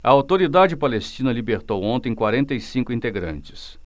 a autoridade palestina libertou ontem quarenta e cinco integrantes